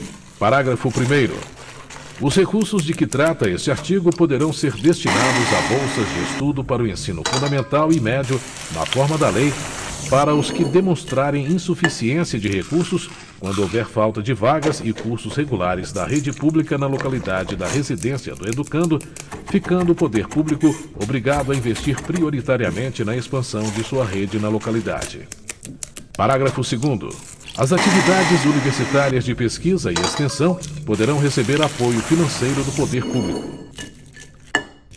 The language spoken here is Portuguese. parágrafo primeiro os recursos de que trata este artigo poderão ser destinados a bolsas de estudo para o ensino fundamental e médio na forma da lei para os que demonstrarem insuficiência de recursos quando houver falta de vagas e cursos regulares da rede pública na localidade da residência do educando ficando o poder público obrigado a investir prioritariamente na expansão de sua rede na localidade parágrafo segundo as atividades universitárias de pesquisa e extensão poderão receber apoio financeiro do poder público